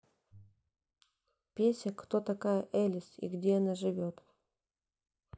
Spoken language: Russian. песня кто такая элис и где она живет